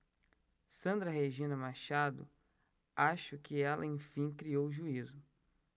sandra regina machado acho que ela enfim criou juízo